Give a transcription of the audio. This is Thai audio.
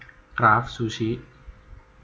กราฟซูชิ